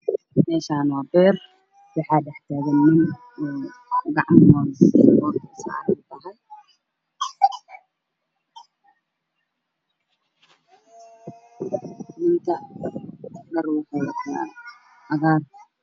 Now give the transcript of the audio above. Messhaan waabeer waza shaxtaaganahay